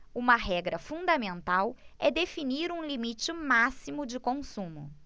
uma regra fundamental é definir um limite máximo de consumo